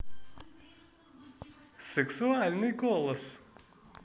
сексуальный голос